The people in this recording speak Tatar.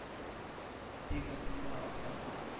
– ди мөслимә апа.